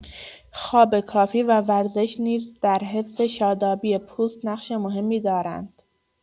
خواب کافی و ورزش نیز در حفظ شادابی پوست نقش مهمی دارند.